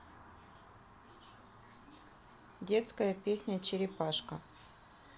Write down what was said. детская песня черепашка